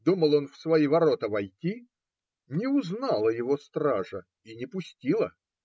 Думал он в свои ворота войти, не узнала его стража и не пустила.